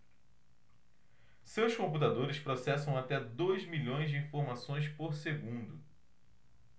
seus computadores processam até dois milhões de informações por segundo